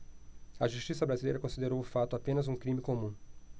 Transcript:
a justiça brasileira considerou o fato apenas um crime comum